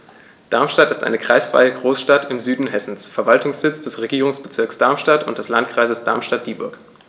Darmstadt ist eine kreisfreie Großstadt im Süden Hessens, Verwaltungssitz des Regierungsbezirks Darmstadt und des Landkreises Darmstadt-Dieburg.